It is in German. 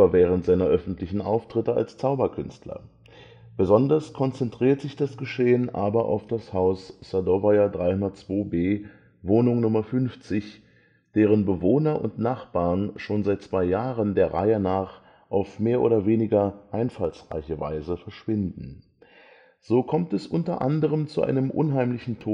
während seiner öffentlichen Auftritte als Zauberkünstler. Besonders konzentriert sich das Geschehen aber auf das Haus Sadowaja 302b, Wohnung 50, deren Bewohner und Nachbarn schon seit zwei Jahren der Reihe nach auf mehr oder weniger einfallsreiche Weise verschwinden. So kommt es unter anderem zu einem unheimlichen Todesfall